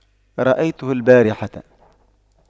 رأيته البارحة